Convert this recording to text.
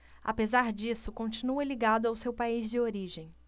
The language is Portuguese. apesar disso continua ligado ao seu país de origem